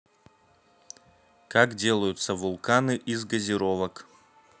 как делаются вулканы из газировок